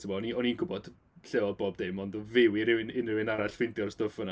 Tibod o'n i o'n i'n gwbod lle oedd bob dim, ond fiw i rywun unrhyw un arall ffeindio'r stwff yna!